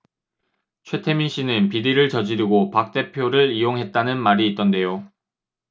최태민씨는 비리를 저지르고 박 대표를 이용했다는 말이 있던데요